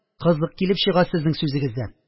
Кызык килеп чыга сезнең сүзегездән